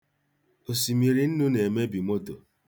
Osìmìrì nnū na-emebi moto.